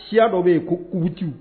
Siya dɔ bɛ yen ko uutu